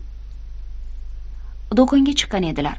do'konga chiqqan edilar